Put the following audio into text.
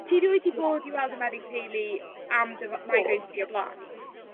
Ti rioed 'di bod i weld y meddyg teulu am dy fo- migraines di o blaen?